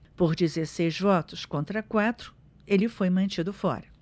por dezesseis votos contra quatro ele foi mantido fora